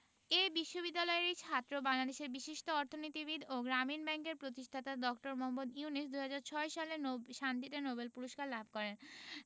এ বিশ্ববিদ্যালয়েরই ছাত্র বাংলাদেশের বিশিষ্ট অর্থনীতিবিদ ও গ্রামীণ ব্যাংকের প্রতিষ্ঠাতা ড. মোহাম্মদ ইউনুস ২০০৬ সালে নো শান্তিতে নোবেল পূরস্কার লাভ করেন